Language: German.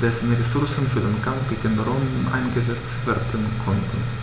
dessen Ressourcen für den Kampf gegen Rom eingesetzt werden konnten.